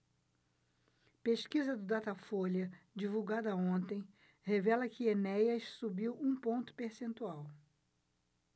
pesquisa do datafolha divulgada ontem revela que enéas subiu um ponto percentual